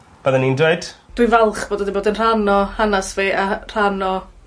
Byddwn i'n dweud. Dwi'n falch bod o 'di bod yn rhan o hanas fi a rhan o